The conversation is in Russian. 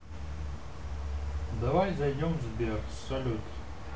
давай зайдем в сбер салют